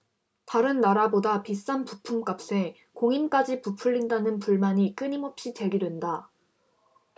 다른 나라보다 비싼 부품값에 공임까지 부풀린다는 불만이 끊임없이 제기된다